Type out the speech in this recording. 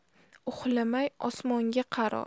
uxlamay osmonga qaro